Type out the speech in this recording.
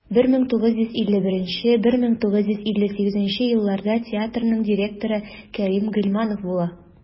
1951-1958 елларда театрның директоры кәрим гыйльманов була.